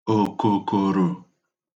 òkòkòrò